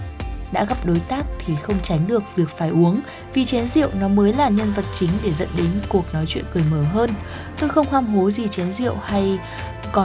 đã gặp đối tác thì không tránh được việc phải uống vì chén rượu nó mới là nhân vật chính để dẫn đến cuộc nói chuyện cởi mở hơn tôi không ham hố gì chén rượu hay còn